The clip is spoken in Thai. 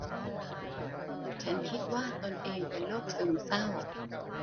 ฉันคิดว่าตนเองเป็นโรคซึมเศร้า